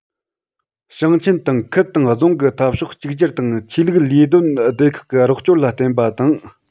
ཞིང ཆེན དང ཁུལ དང རྫོང གི འཐབ ཕྱོགས གཅིག གྱུར དང ཆོས ལུགས ལས དོན སྡེ ཁག གི རོགས སྐྱོར ལ བརྟེན པ དང